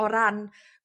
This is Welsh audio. o ran